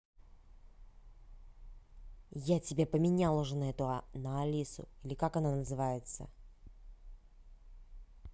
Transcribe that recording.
я тебя поменял уже на эту на алису или как она называется